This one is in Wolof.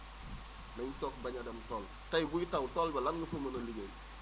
nañ toog bañ a dem tool tey buy taw tool ba lan nga fa mën a liggéey